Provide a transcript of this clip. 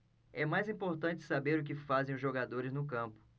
é mais importante saber o que fazem os jogadores no campo